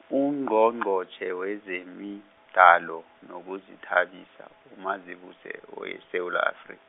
Ungqongqotjhe wezemidlalo, nokuzithabisa, uMazibuse weSewula Afri-.